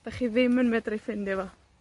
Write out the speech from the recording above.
'dych chi ddim yn medru ffindio fo.